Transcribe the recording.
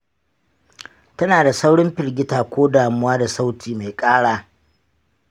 tana da saurin firgita ko damuwa da sauti mai ƙara